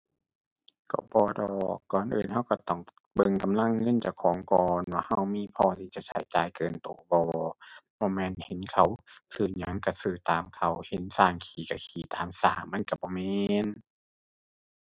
ก็บ่ดอก ก่อนอื่นก็ก็ต้องเบิ่งกำลังเงินเจ้าของก่อน ว่าก็มีพอที่จะใช้จ่ายเกินก็บ่ บ่แม่นเห็นเขาซื้อหยังก็ซื้อตามเขา เห็นก็ขี้ก็ขี้ตามก็มันก็บ่แม่น